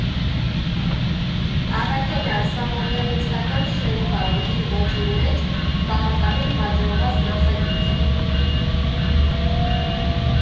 ֊ Առաքելյան, սա մոդեռնիստական շենք ա ու իր ոճի մեջ բավականին հաջողված նախագիծ։